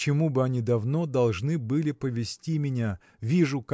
к чему бы они давно должны были повести меня вижу